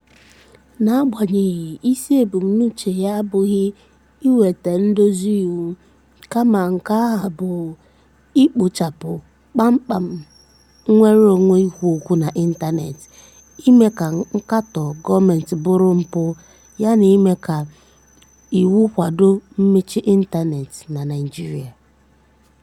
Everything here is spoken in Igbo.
Agbanyeghị, isi ebumnuche ya abụghị iweta ndozi iwu, kama nke ahụ bụ, ikpochapụ kpamkpam nnwere onwe ikwu okwu n'ịntaneetị, ime ka nkatọ gọọmentị bụrụ mpụ yana ime ka iwu kwado mmechi ịntaneetị na Naịjirịa.